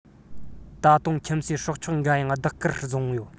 ད དུང ཁྱིམ གསོས སྲོག ཆགས འགའ ཡང བདག གིར བཟུང ཡོད